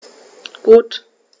Gut.